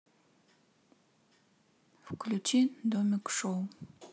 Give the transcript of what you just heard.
включи домик шоу